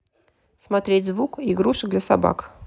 смотреть звук игрушек для собак